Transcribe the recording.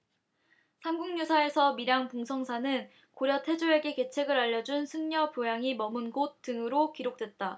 삼국유사에서 밀양 봉성사는 고려 태조에게 계책을 알려준 승려 보양이 머문 곳 등으로 기록됐다